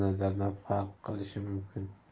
nazaridan farq qilishi mumkin